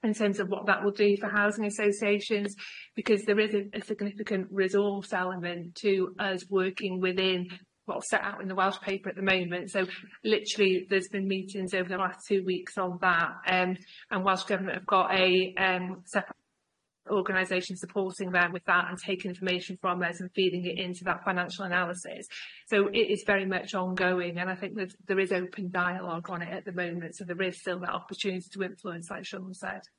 In terms of what that will do for housing associations because there is a significant resource element to us working within what's set out in the Welsh paper at the moment so literally there's been meetings over the last two weeks on that and Welsh Government have got a sep-rate organisation supporting them with that and taking information from us and feeding it into that financial analysis so it is very much ongoing and I think there's there is open dialogue on it at the moment so there is still that opportunity to influence like Siôn said.